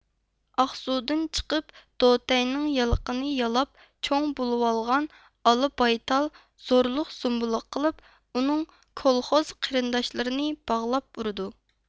ئاقسۇدىن چىقىپ دوتەينىڭ يالىقىنى يالاپ چوڭ بولۇۋالغان ئالا بايتال زورلۇق زومبۇلۇق قىلىپ ئۇنىڭ كولخوز قېرىنداشلىرىنى باغلاپ ئۇرىدۇ